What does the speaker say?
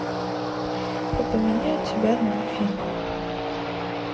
я поменяю тебя на афину